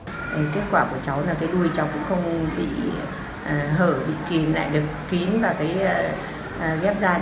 kết quả của cháu là cái đuôi cháu cũng không bị hở bị bịt lại được kín và cái ghép da